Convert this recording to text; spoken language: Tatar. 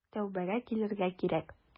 Тәүбәгә килергә кирәк.